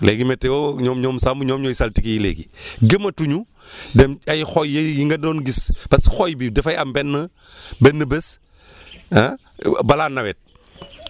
léegi météo ñoom ñoom sàmm ñoom ñooy saltige yi léegi gëmatuñu dem ay xoy yi nga doon gis parce que xoy bi dafay am benn benn bés balaa nawet